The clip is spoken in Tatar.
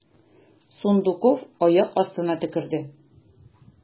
Сундуков аяк астына төкерде.